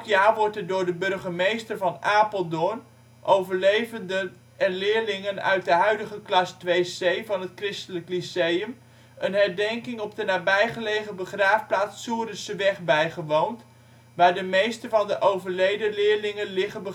jaar wordt er door de burgemeester van Apeldoorn, overlevenden en leerlingen uit de huidige klas 2C van het Christelijk Lyceum een herdenking op de nabijgelegen begraafplaats Soerenseweg bijgewoond, waar de meesten van de overleden leerlingen liggen